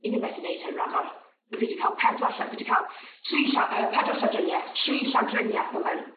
'yf fi methu neud hyn ragor 'yf fi 'di ca'l pedwar lle- fi 'di ca'l tri lla- yy pedwar llawdrinieth tri llawdrinieth o fewn